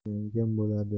yangam boladi